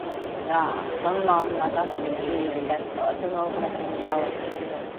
Na ma' mam a dad fi yn rili against o a dwi me'wl dyna lle 'dyn ni'n ga'l opinion